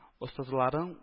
Остазларын